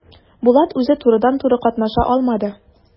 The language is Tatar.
Булат үзе турыдан-туры катнаша алмады.